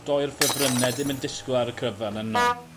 doi o'r ffefrynne dim yn disgwyl ar y cryfa na' 'yn n'w?